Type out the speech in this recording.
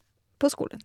På skolen.